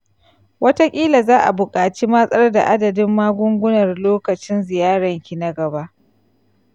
wataƙila za a buƙaci matsar da adadin magungunar lokacin ziyaranki na gaba.